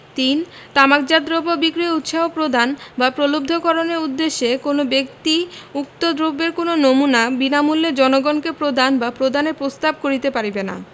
৩ তামাকজাত দ্রব্য বিক্রয়ে উৎসাহ প্রদান বা প্রলুব্ধকরণের উদ্দেশ্যে কোন ব্যক্তি উক্ত দ্রব্যের কোন নমুনা বিনামূল্যে জনগণকে প্রদান বা প্রদানের প্রস্তাব করিতে পারিবেন না